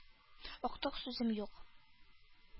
— актык сүзем юк.